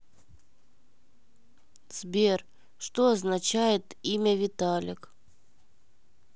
сбер что означает имя виталик